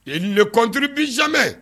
Il ne contribue jamais